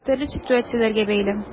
Төрле ситуацияләргә бәйле.